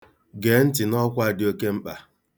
Gee ntị n'ọkwa a dị oke mkpa.